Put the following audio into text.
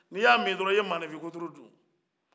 ni i ye a mi dɔrɔn i ye mɔgɔnifinkuturu dun